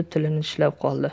tilini tishlab qoldi